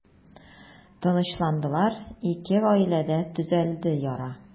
Тынычландылар, ике гаиләдә төзәлде яра.